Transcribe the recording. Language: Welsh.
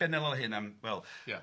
...be wnael o hyn am wel ia.